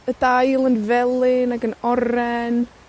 y dail yn felyn ac yn oren,